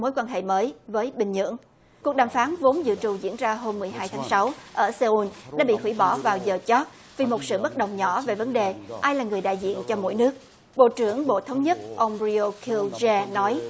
mối quan hệ mới với bình nhưỡng cuộc đàm phán vốn dự trù diễn ra hôm mười hai tháng sáu ở sê un đã bị hủy bỏ vào giờ chót vì một sự bất đồng nhỏ về vấn đề ai là người đại diện cho mỗi nước bộ trưởng bộ thống nhất ông ri ô ki ung gie nói